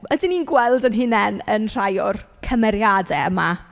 Ydyn ni'n gweld ein hunain yn rhai o'r cymeriadau yma?